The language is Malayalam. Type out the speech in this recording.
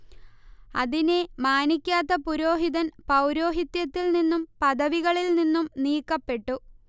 അതിനെ മാനിക്കാത്ത പുരോഹിതൻ പൗരോഹിത്യത്തിൽ നിന്നും പദവികളിൽ നിന്നും നീക്കപ്പെട്ടു